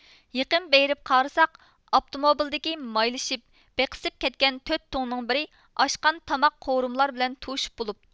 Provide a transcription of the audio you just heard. يېقىن بېرىپ قارىساق ئاپتوموبىلدىكى مايلىشىپ بېقسىپ كەتكەن تۆت تۇڭنىڭ بىرى ئاشقان تاماق قورۇمىلار بىلەن توشۇپ بولۇپتۇ